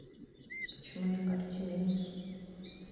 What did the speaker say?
почему по карте минус